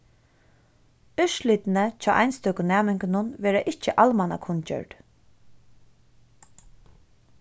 úrslitini hjá einstøku næmingunum verða ikki almannakunngjørd